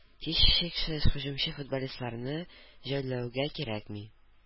Һичшиксез һөҗүмче футболистларны жәллэүгә кирәкми.